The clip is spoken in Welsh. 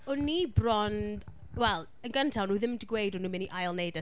O'n i bron… Wel, yn gyntaf, nhw ddim 'di gweud bo' nhw’n mynd i ail-wneud e.